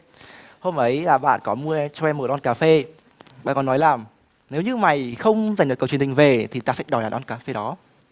hôm ấy là bạn có mua cho em một lon cà phê và còn nói là nếu như mày không giành được cầu truyền hình về thì tao sẽ đòi lại lon cà phê đó